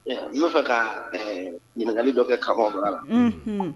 I b'a fɛ ka ɲininkagali dɔ kɛ ka bɔra la